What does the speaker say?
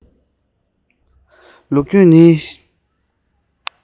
ལོ རྒྱུས ནི ཤིན ཏུའང